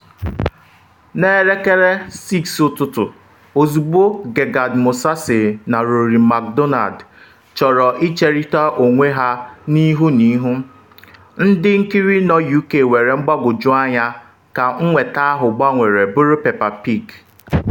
N’elekere 6 ụtụtụ, ozugbo Gegard Mousasi na Rory MacDonald chọrọ icherịta onwe ha ihu n’ihu, ndị nkiri nọ UK nwere mgbagwoju anya ka nweta ahụ gbanwere bụrụ Peppa Pig.